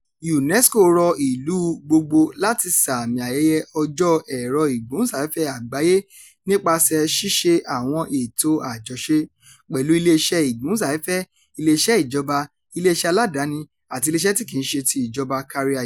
UNESCO rọ ìlú gbogbo láti sààmì ayẹyẹ Ọjọ́ Ẹ̀rọ-ìgbóhùnsáfẹ́fẹ́ Àgbáyé nípasẹ̀ ṣíṣe àwọn ètò àjọṣe pẹ̀lú iléeṣẹ́ ìgbóhùnsáfẹ́fẹ́, iléeṣẹ́ ìjọba, iléeṣẹ́ aládàáni àti iléeṣẹ́ tí kì í ṣe ti ìjọba kárí ayé.